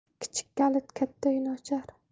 kichik kalit katta uyni ochar